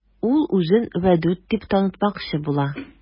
Ул үзен Вәдүт дип танытмакчы була.